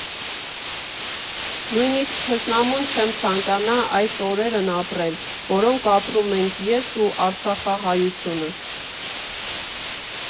Նույնիսկ թշնամուն չեմ ցանկանա այս օրերն ապրել, որոնք ապրում ենք ես ու արցախահայությունը։